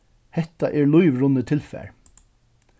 hetta er lívrunnið tilfar